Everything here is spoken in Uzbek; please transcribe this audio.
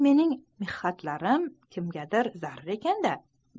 mening mixxatlarim nimagadir arzir ekan da